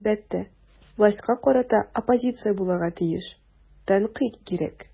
Әлбәттә, властька карата оппозиция булырга тиеш, тәнкыйть кирәк.